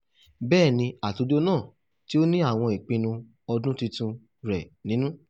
Bẹ́ẹ̀ni, àtòjọ náà tí ó ní àwọn Ìpinnu Ọdún Tuntun rẹ nínú.